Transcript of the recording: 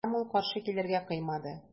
Һәм ул каршы килергә кыймады.